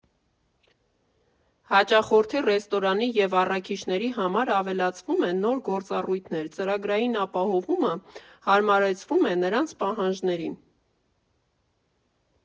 Հաճախորդի, ռեստորանի և առաքիչների համար ավելացվում են նոր գործառույթներ, ծրագրային ապահովումը հարմարեցվում է նրանց պահանջներին։